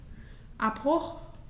Abbruch.